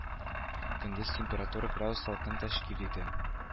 Көндез температура - градус салкын тәшкил итә